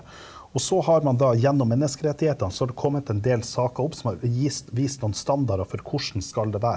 og så har man da gjennom menneskerettighetene, så har det kommet en del saker opp som har vist noen standarder for hvordan skal det være.